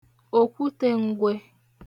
òkwutē ngwe